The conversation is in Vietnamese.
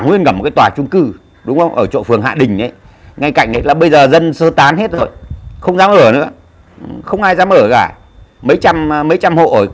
nguyên cả một cái tòa chung cư đúng không ở chỗ phường hạ đình ấy ngay cạnh ấy bây giờ dân sơ tán hết rồi không dám ở nữa không ai dám ở cả mấy trăm mấy trăm hộ ở